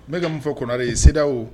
N bɛ ka mun fɔ Konare ye CEDEAO